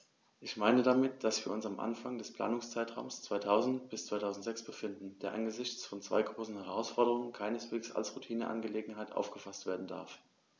Ich meine damit, dass wir uns am Anfang des Planungszeitraums 2000-2006 befinden, der angesichts von zwei großen Herausforderungen keineswegs als Routineangelegenheit aufgefaßt werden darf.